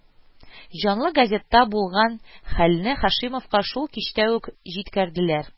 Җанлы газетта булган хәлне Һашимовка шул кичтә үк җиткерделәр